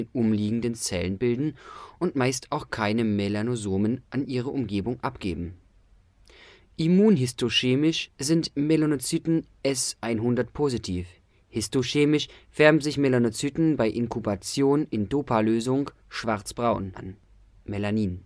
umliegenden Zellen bilden und meist auch keine Melanosomen an ihre Umgebung abgeben. Immunhistochemisch sind Melanozyten S-100-positiv. Histochemisch färben sich Melanozyten bei Inkubation in DOPA-Lösung schwarz-braun (Melanin